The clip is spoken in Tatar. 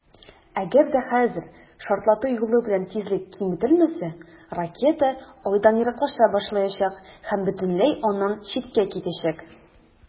Әгәр дә хәзер шартлату юлы белән тизлек киметелмәсә, ракета Айдан ераклаша башлаячак һәм бөтенләй аннан читкә китәчәк.